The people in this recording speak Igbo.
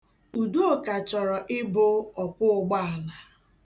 Udoka chọrọ ịbụ ọkwọụgbaala.